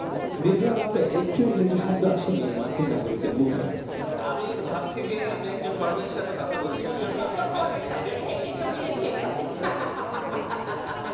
দীর্ঘ আলাপে একটি ইংরেজী শব্দ আসেনি এই মার্কিন নাগরিকের মুখে আমি ভাবছি যে একজন ফরেইনার এর সাথে কথা বলছি এই যে একজন ফরেইনার এর সাথে এটা বিদেশীর সাথে হাহাহাহা